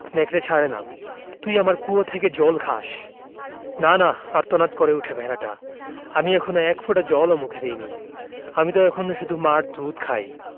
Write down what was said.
নেকড়ে ছাড়ে না তুই আমার কুয়ো থেকে জল খাস না না আর্তনাদ করে ওঠে ভেড়াটা আমি এখনো এক ফোঁটা জল ও মুখে দিইনি আমি ত এখনো শুধু মার দুধ খাই